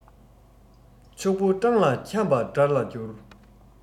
ཕྱུག པོ སྤྲང ལ འཁྱམས པ དགྲ ལ འགྱུར